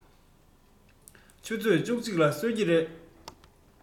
ཆུ ཚོད བཅུ གཅིག ལ གསོད ཀྱི རེད